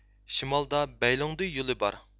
شىمالدا بەيلوڭدۇي يولى بار